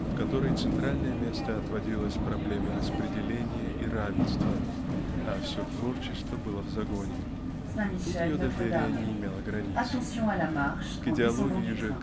в которой центральное место отводилось проблеме распределения и равенства а все творчество было в загоне тут ее доверие не имело границ. К идеологии же